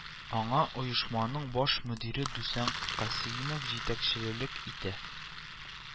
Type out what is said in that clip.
Аңа оешманың баш мөдире Дүсән Касеинов җитәкчелелек итә